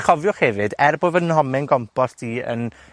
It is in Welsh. chofiwch hefyd, er bo' fy nhomen gompost i yn